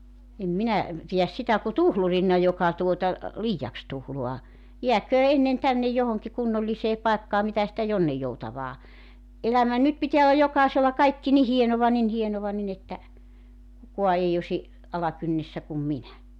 en minä pidä sitä kuin tuhlurina joka tuota liiaksi tuhlaa jääköön ennen tänne johonkin kunnolliseen paikkaan mitä sitä jonninjoutavaa elämä nyt pitää olla jokaisella kaikki niin hienoa niin hienoa niin että kukaan ei olisi alakynnessä kuin minä